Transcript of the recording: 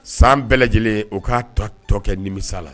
San bɛɛ lajɛlen u k'a tɔ tɔ kɛ nimisa la